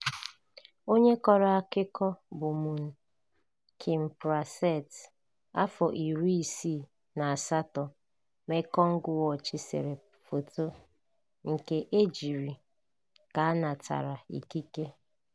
Onye kọrọ akụkọ bụ Mun Kimprasert, afọ 68, Mekong Watch sere foto, nke e jiri ka a natara ikike.